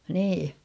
niin